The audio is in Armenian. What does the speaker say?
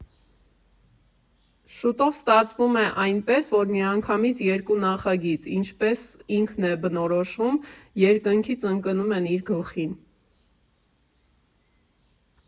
Շուտով ստացվում է այնպես, որ միանգամից երկու նախագիծ, ինչպես ինքն է բնորոշում, երկնքից ընկնում են իր գլխին։